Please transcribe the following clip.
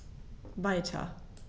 Weiter.